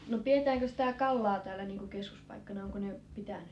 no pidetäänkö sitä Kallaa täällä niin kuin keskuspaikkana onko ne pitänyt